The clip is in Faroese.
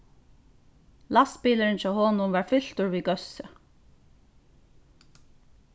lastbilurin hjá honum var fyltur við góðsi